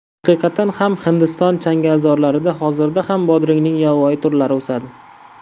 haqiqatan ham hindiston changalzorlarida hozirda ham bodringning yovvoyi turlari o'sadi